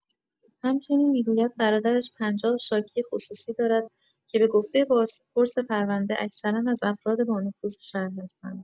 همچنین می‌گوید برادرش «پنجاه شاکی خصوصی دارد که به گفته بازپرس پرونده اکثرا از افراد با نفوذ شهر هستند».